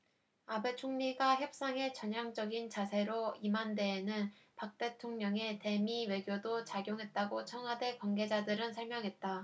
아베 총리가 협상에 전향적인 자세로 임한 데에는 박 대통령의 대미 외교도 작용했다고 청와대 관계자들은 설명했다